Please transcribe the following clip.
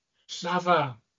Llafar